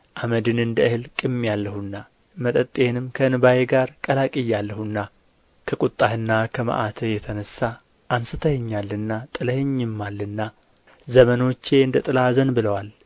አመድን እንደ እህል ቅሜአለሁና መጠጤንም ከእንባዬ ጋር ቀላቅያለሁና ከቍጣህና ከመዓትህም የተነሣ አንሥተኸኛልና ጥለኸኝማልና ዘመኖቼ እንደ ጥላ አዘንብለዋል